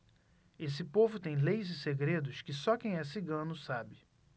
esse povo tem leis e segredos que só quem é cigano sabe